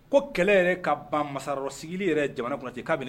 Ko kɛlɛ yɛrɛ ka ban masayɔrɔ sigilen yɛrɛ jamanatɛ kabila